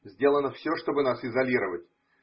Сделано все, чтобы нас изолировать.